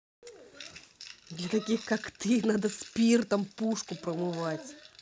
для таких как ты надо спиртом пушку промывать